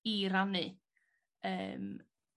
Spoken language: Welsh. i rannu yym.